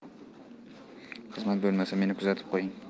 xizmat bo'lmasa meni kuzatib qoying